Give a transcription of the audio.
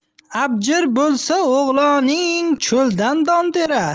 abjir bo'lsa o'g'loning cho'ldan don terar